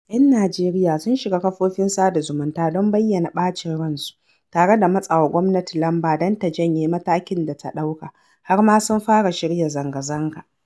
Yan Najeriya sun shiga kafofin sada zumunta don bayyana ɓacin ransu, tare da matsa wa gwamnati lamba don ta janye matakin da ta ɗauka, har ma sun fara shirya zanga-zanga.